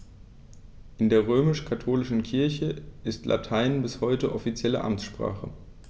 In der römisch-katholischen Kirche ist Latein bis heute offizielle Amtssprache.